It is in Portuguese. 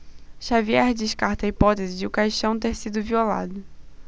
xavier descarta a hipótese de o caixão ter sido violado